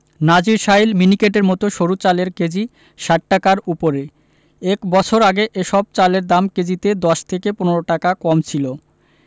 নাজিরশাইল মিনিকেটের মতো সরু চালের কেজি ৬০ টাকার ওপরে এক বছর আগে এসব চালের দাম কেজিতে ১০ থেকে ১৫ টাকা কম ছিল